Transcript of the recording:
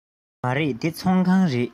མ རེད འདི ཚོང ཁང རེད